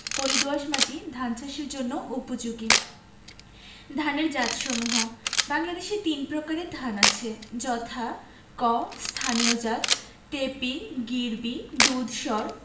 পলি দোআঁশ মাটি ধান চাষের জন্য উপযোগী ধানের জাতসমূহঃ বাংলাদেশে তিন প্রকারের ধান আছে যথাঃ ক স্থানীয় জাতঃ টেপি গিরবি দুধসর